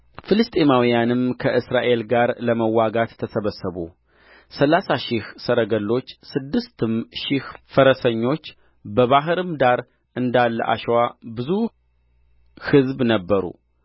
ፍልስጥኤማውያንም ከእስራኤል ጋር ለመዋጋት ተሰበሰቡ ሠላሳ ሺህ ሰረገሎች ስድስትም ሺህ ፈረሰኞች በባሕርም ዳር እንዳለ አሸዋ ብዙ ሕዝብ ነበሩ